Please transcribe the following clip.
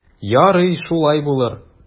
Ярый, шулай булыр.